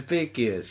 Big ears.